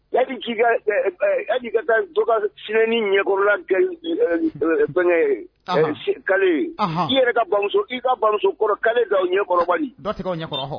Ji ka taa sini ɲɛkorola kale i yɛrɛ kamuso i ka bamusokɔrɔ kale da ɲɛ